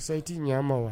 Musa i tɛ ɲɛ an ma wa